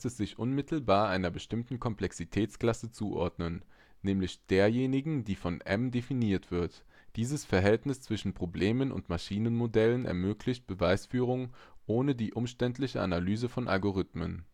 sich unmittelbar einer bestimmten Komplexitätsklasse zuordnen, nämlich derjenigen, die von M {\ displaystyle M} definiert wird. Dieses Verhältnis zwischen Problemen und Maschinenmodellen ermöglicht Beweisführungen ohne die umständliche Analyse von Algorithmen